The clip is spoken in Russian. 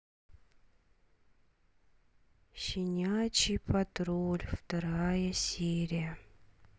щенячий патруль вторая серия